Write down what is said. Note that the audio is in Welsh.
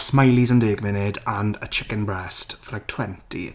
Smilies am ddeg munud and a chicken breast for like twenty.